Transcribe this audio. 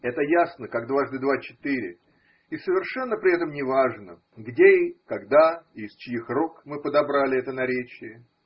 Это ясно, как дважды два четыре, и совершенно при этом не важно, где, когда и из чьих рук мы подобрали это наречие.